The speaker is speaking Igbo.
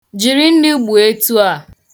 Jiri nnu gbuo etu a.